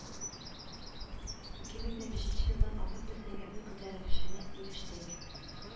Ике мең дә бишенче елдан алып без сәнәгатьнең күтәрелешенә ирештек